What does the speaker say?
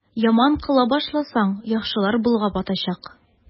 Яман кыла башласаң, яхшылар болгап атачак.